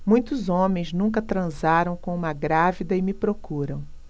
muitos homens nunca transaram com uma grávida e me procuram